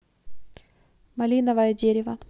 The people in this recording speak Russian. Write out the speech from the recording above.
малиновое дерево